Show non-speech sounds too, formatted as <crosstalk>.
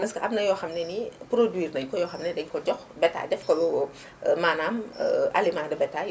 parce que am na yoo xamante ni produire nañu ko yoo xam ni dañu ko jox betail def ko <hesitation> maanaam <hesitation> aliments de bétail